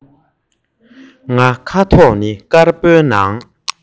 ངའི ཁ དོག ནི དཀར པོའི ནང